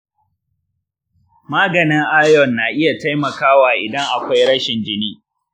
maganin iron na iya taimakawa idan akwai rashin jini.